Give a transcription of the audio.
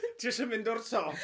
Ti isie mynd o'r top?